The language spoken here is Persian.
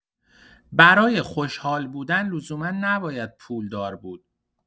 برای خوش‌حال بودن لزوما نباید پولدار بود.